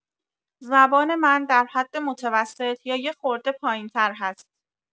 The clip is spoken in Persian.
زبان من در حد متوسط یا یه خورده پایین‌تر هست